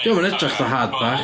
'Di o'm yn edrych fatha hardback.